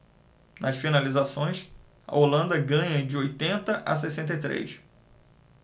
nas finalizações a holanda ganha de oitenta a sessenta e três